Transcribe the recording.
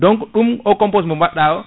donc ɗum ko composte mo baɗɗa o